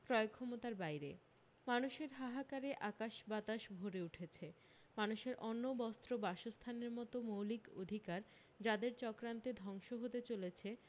ক্রয়ক্ষমতার বাইরে মানুষের হাহাকারে আকাশ বাতাস ভরে উঠেছে মানুষের অন্ন বস্ত্র বাসস্থানের মত মৌলিক অধিকার যাদের চক্রান্তে ধ্বংস হতে চলেছে